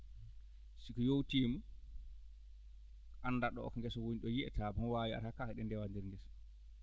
si ko yowtiima anda ɗoo ko ngesa woni ɗoo yiya taw mo waawi ataka ɓe ndewa ndeer ngesa